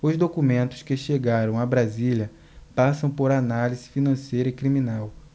os documentos que chegaram a brasília passam por análise financeira e criminal